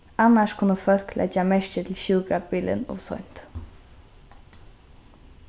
annars kunnu fólk leggja merki til sjúkrabilin ov seint